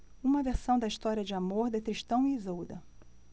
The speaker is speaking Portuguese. uma versão da história de amor de tristão e isolda